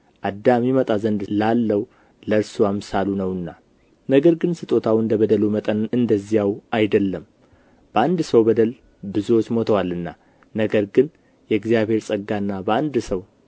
አዳም ይመጣ ዘንድ ላለው ለእርሱ አምሳሉ ነውና ነገር ግን ስጦታው እንደ በደሉ መጠን እንደዚያው አይደለም በአንድ ሰው በደል ብዙዎቹ ሞተዋልና ነገር ግን የእግዚአብሔር ጸጋና በአንድ ሰው